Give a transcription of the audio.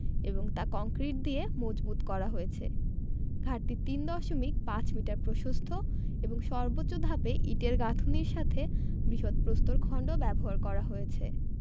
এবং তা কংক্রিট দিয়ে মজবুত করা হয়েছে ঘাটটি ৩ দশমিক ৫ মিটার প্রশস্ত এবং সর্বোচ্চ ধাপে ইটের গাঁথুনীর সাথে বৃহৎ প্রস্তরখন্ডও ব্যবহার করা হয়েছে